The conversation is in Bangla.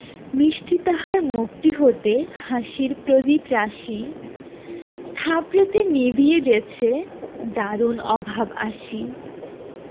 মিষ্টি তাহার মুখটি হতে হাসির প্রদীপ রাশি থাপড়েতে নিবিয়ে দেছে দারুণ অভাব আসি